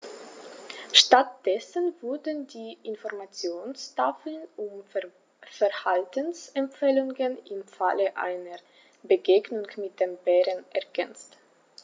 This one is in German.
Stattdessen wurden die Informationstafeln um Verhaltensempfehlungen im Falle einer Begegnung mit dem Bären ergänzt.